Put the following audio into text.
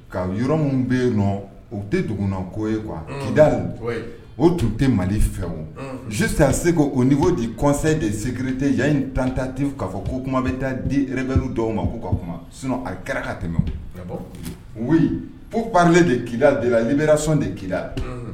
Ka yɔrɔ minnu bɛ yen nɔ u tɛ duguna koo ye kida o tun tɛ mali fɛ o sisan segu o niko di kɔ de segte yayi tantati ka fɔ ko kuma bɛ taa di w dɔw ma' ka kuma sin a kɛra ka tɛmɛ wuli ko pale de ki de lalibra sɔn de k ki